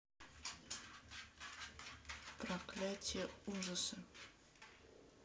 проклятие ужасы